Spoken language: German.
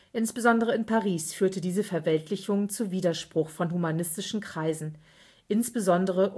Insbesondere in Paris führte diese Verweltlichung zu Widerspruch von humanistischen Kreisen, insbesondere